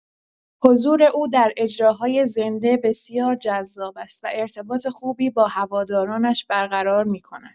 حضور او در اجراهای زنده بسیار جذاب است و ارتباط خوبی با هوادارانش برقرار می‌کند.